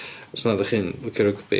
Os na ydach chi'n licio rygbi.